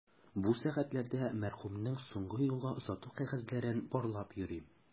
Бу сәгатьләрдә мәрхүмнең соңгы юлга озату кәгазьләрен барлап йөрим.